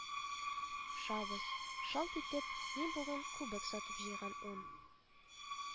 Шабыз, шалт итеп, мин бүген күбек сатып җыйган ун